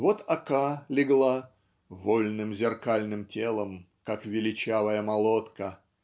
Вот Ока легла "вольным зеркальным телом, как величавая молодка.